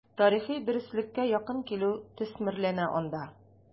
Тарихи дөреслеккә якын килү төсмерләнә анда.